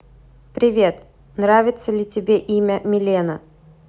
привет нравится ли тебе имя милена